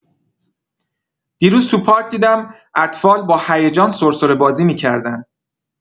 دیروز تو پارک دیدم اطفال با هیجان سرسره بازی می‌کردن.